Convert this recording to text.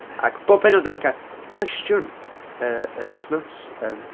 Ac bob pennod dan ni'n cael cwestiwn yy, yr wythnos, yym.